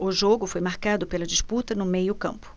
o jogo foi marcado pela disputa no meio campo